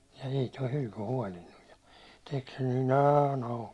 ei tuo hylky huolinut ja teki sen nyt näin auki